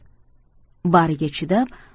bariga chidab